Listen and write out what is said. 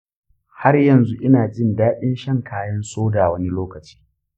haryanzu inajin daɗin shan kayan soda wani lokaci.